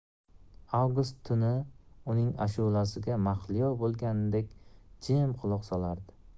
avgust tuni uning ashulasiga mahliyo bo'lgandek jim quloq solardi